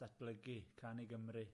Datblygu, can i Gymru.